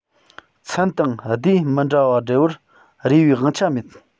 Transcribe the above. ཚན དང སྡེ མི འདྲ བ སྦྲེལ བར རེ བའི དབང ཆ མེད